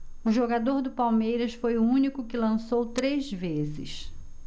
o jogador do palmeiras foi o único que lançou três vezes